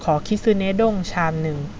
ขอคิสึเนะอุด้งชามหนึ่ง